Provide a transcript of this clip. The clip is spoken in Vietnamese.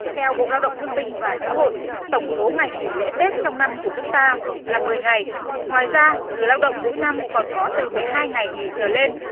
theo bộ lao động thương binh và xã hội tổng số ngày nghỉ lễ tết trong năm của nước ta là mười ngày ngoài ra người lao động mỗi năm còn có từ mười hai ngày nghỉ trở lên